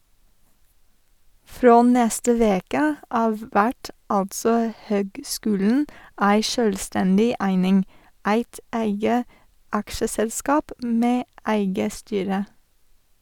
Frå neste veke av vert altså høgskulen ei sjølvstendig eining, eit eige aksjeselskap med eige styre.